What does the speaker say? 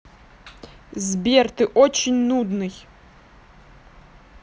сбер ты очень нудный